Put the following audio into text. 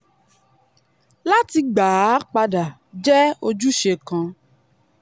Láti gbà á padà jẹ́ ojúṣe kan.''